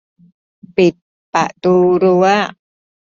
ปิดประตูรั้ว